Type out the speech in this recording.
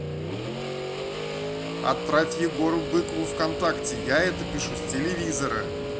отправь егору быкову вконтакте я это пишу с телевизора